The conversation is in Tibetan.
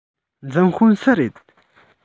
འཛིན དཔོན སུ རེད